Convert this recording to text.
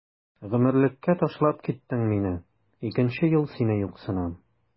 Гомерлеккә ташлап киттең мине, икенче ел сине юксынам.